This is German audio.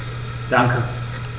Danke.